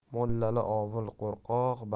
mullali ovul qo'rqoq